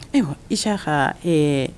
Ayiwa isaa ka ɛɛ